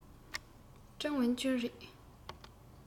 ཀྲང ཝུན ཅུན རེད